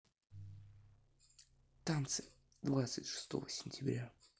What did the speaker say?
танцы двадцать шестое сентября